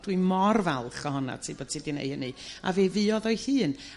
dwi mor falch ohonat ti bo ti 'di neu' 'ynny. A fe fuodd o'i hun